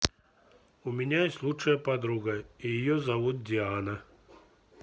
у меня есть лучшая подруга и ее зовут диана